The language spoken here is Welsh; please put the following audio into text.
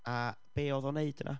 A be oedd o'n wneud yna?